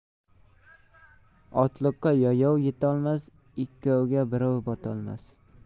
otliqqa yayov yetolmas ikkovga birov botolmas